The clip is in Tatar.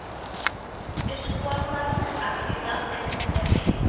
Эшкуарларны активрак әлеп итәргә